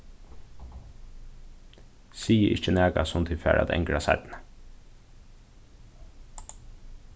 sigið ikki nakað sum tit fara at angra seinni